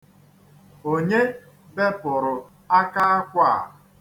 Onye bepụrụ aka akwa a?